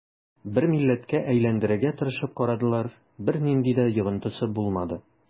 Бер милләткә әйләндерергә тырышып карадылар, бернинди дә йогынтысы булмады.